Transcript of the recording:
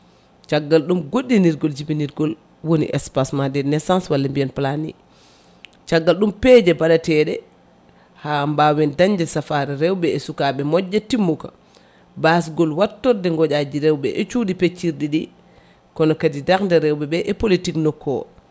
caggal ɗum goɗɗinirgol jibinirgol woni espacement des naissances walla mbiyen planie caggal ɗum peeje baɗateɗe ha mbawen dañde safaro rewɓe e sukaɓe moƴƴa timmuka basgol wattorde goƴaji rewɓe e cuuɗi peccirɗi ɗi kono kadi darde rewɓeɓe e politique nokku o